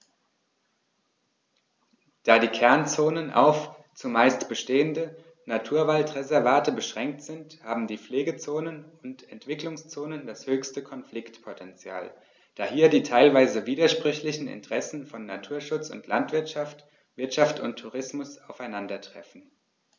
Da die Kernzonen auf – zumeist bestehende – Naturwaldreservate beschränkt sind, haben die Pflegezonen und Entwicklungszonen das höchste Konfliktpotential, da hier die teilweise widersprüchlichen Interessen von Naturschutz und Landwirtschaft, Wirtschaft und Tourismus aufeinandertreffen.